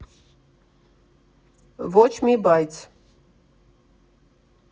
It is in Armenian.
Ոչ մի բայց։